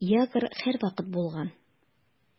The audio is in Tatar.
Ягр һәрвакыт булган.